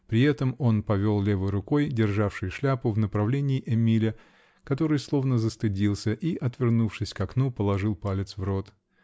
при этом он повел левой рукой, державшей шляпу, в направлении Эмиля, который словно застыдился и, отвернувшись к окну, положил палец в рот.